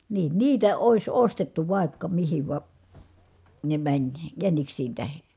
niin niitä olisi ostettu vaikka mihin vaan ne meni jäniksien tähden